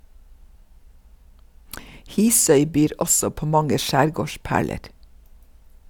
Hisøy byr også på mange skjærgårdsperler.